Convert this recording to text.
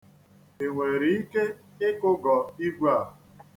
I nwere ike ịkụgọ igwe a?